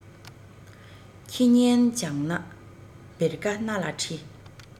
ཁྱི ངན བྱང ན བེར ཀ སྣ ལ བཀྲི